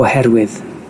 oherwydd